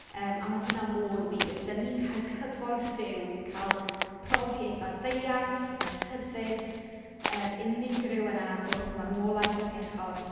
Yym a ma' hwnna mor wir. Dan ni'n cael cyfoeth Duw, cael profi ei faddeuant, y rhyddid yym unigryw yna wrth marwolaeth a pechod.